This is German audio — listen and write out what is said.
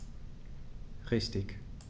Richtig